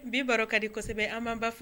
Bi baro ka di kosɛbɛ an' ba fɔ